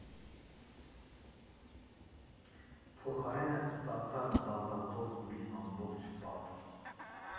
Փոխարենը՝ ստացա բազալտով մի ամբողջ պատ։